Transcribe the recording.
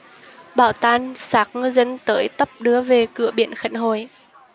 bão tan xác ngư dân tới tấp đưa về cửa biển khánh hội